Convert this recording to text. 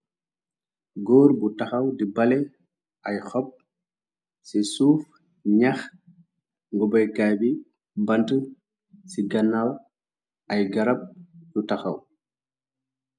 góor bu taxaw di bale ay xob ci suuf ñeex ngoboykaay bi bant ci gannaaw ay garab yu taxaw